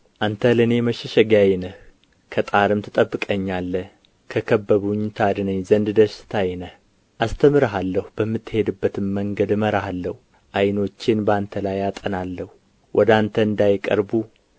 አንተ ለእኔ መሸሸጊያዬ ነህ ከጣርም ትጠብቀኛለህ ከከበቡኝ ታድነኝ ዘንድ ደስታዬ ነህ አስተምርሃለሁ በምትሄድበትም መንገድ እመራሃለሁ ዓይኖቼን በአንተ ላይ አጠናለሁ ወደ አንተ እንዳይቀርቡ